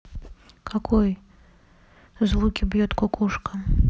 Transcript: какой звуки бьет кукушка